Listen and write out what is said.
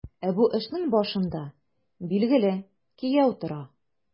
Ә бу эшнең башында, билгеле, кияү тора.